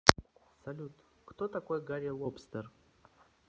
салют кто такой гарри лобстер